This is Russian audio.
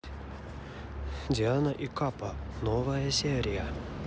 диана и капа новая серия